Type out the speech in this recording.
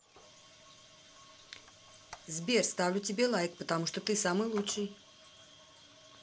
сбер ставлю тебе лайк потому что ты самый лучший